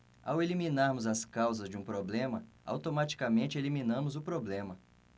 ao eliminarmos as causas de um problema automaticamente eliminamos o problema